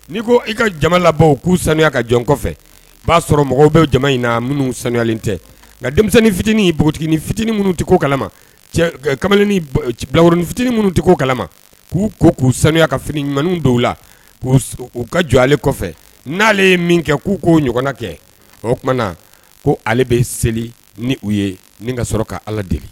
N'i ko i ka jama labɔ k'u sanuya ka jɔn kɔfɛ o b'a sɔrɔ mɔgɔw bɛ jama in na minnu sanuyalen tɛ nka denmisɛnnin fitinin npogotini fitinin minnu tɛ' kala kamalen bilakonin fitinin minnu tɛ' kala k'u ko k'u sanuya ka fini dɔw la k'u uu ka jɔ ale kɔfɛ n'ale ye min kɛ k'u k'o ɲɔgɔn kɛ o tuma ko ale bɛ seli ni u ye nin ka sɔrɔ ka ala deli